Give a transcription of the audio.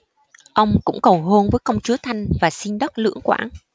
ông cũng cầu hôn với công chúa thanh và xin đất lưỡng quảng